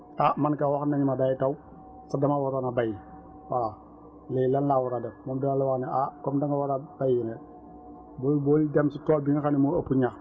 ah man kat wax nañ ma day taw te damaa waroon a béyi voilà léegi lan laa war a def moom dina la wax ne ah comme danga war a bayi nag bul bul dem si tool bi nga xam ne moo ëpp ñax